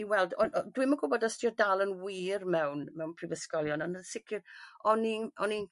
i weld o- o- dwi'm yn gwbod os 'di o dal yn wir mewn mewn prifysgolion ond yn sic'r o'n i'n o'n i'n